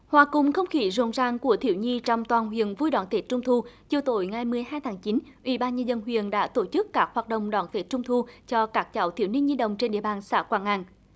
hòa cùng không khí rộn ràng của thiếu nhi trong toàn huyện vui đón tết trung thu chiều tối ngày mười hai tháng chín ủy ban nhân dân huyện đã tổ chức các hoạt động đón tết trung thu cho các cháu thiếu niên nhi đồng trên địa bàn xã quảng ngạn